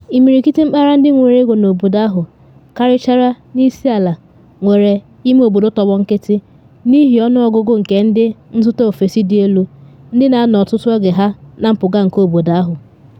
Imirikiti mpaghara ndị nwere ego n’obodo ahụ - karịchara n’isi ala - nwere “ime obodo tọgbọ nkịtị” n’ihi ọnụọgụ nke ndị nzụta ofesi dị elu, ndị na anọ ọtụtụ oge ha na mpụga nke obodo ahụ.